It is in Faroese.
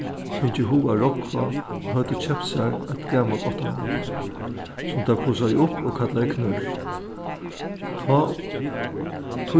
fingið hug at rógva og høvdu keypt sær eitt gamalt áttamannafar sum teir pussaði upp og kallaði knørr tá